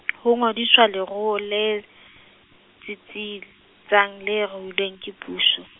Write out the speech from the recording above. ho ngodiswa ha leruo le, tsitsitseng le ruilweng ke puso.